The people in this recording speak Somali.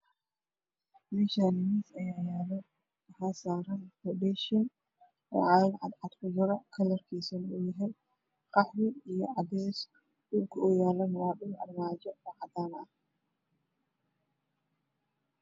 Meeshaan miis ayaa yaalo waxaa saaran foodheshan oo caagado cadcad kujiro kalarkiisu waa qaxwi iyo cadeys dhulka uu yaalo waa armaajo cadaan ah.